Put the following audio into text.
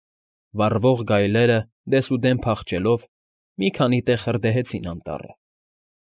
Վառվող գայլերը, դեսուդեն փախչելով, մի քանի տեղ հրդեհեցին անտառը։